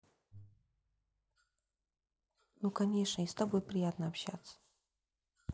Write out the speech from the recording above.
ну конечно и с тобой приятно общаться